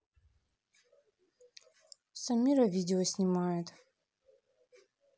самира видео снимает